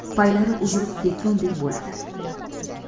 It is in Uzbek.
paylari uzilib ketgundek bo'ladi